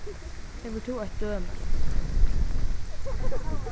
hevur tú eitt dømi